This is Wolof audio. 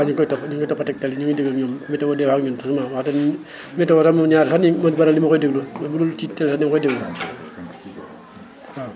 waaw ñu ngi koy topp ñu ngi topp tegtal yi ñu ngi déggoog ñoom météo day wax ak ñun toujours moom wax dëgg météo daal moom ñaari fan yi man bëri na li ma koy déglu man bu dul ci télé man da ma koy déglu waaw